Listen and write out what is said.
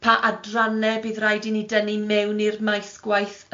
Pa adrannau bydd rhaid i ni dynnu mewn i'r maes gwaith yma